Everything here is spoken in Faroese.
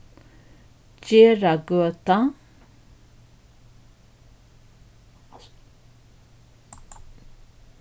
gerðagøta